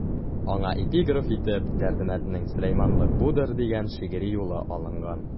Аңа эпиграф итеп Дәрдмәнднең «Сөләйманлык будыр» дигән шигъри юлы алынган.